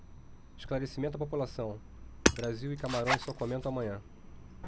esclarecimento à população brasil e camarões só comento amanhã